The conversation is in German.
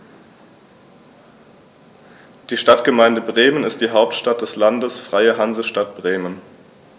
Die Stadtgemeinde Bremen ist die Hauptstadt des Landes Freie Hansestadt Bremen.